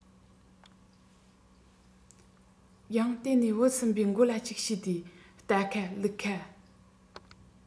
ཡང དེ ནས བུ གསུམ པའི མགོ ལ གཅིག ཞུས ཏེ རྟ ཁ ལུག ཁ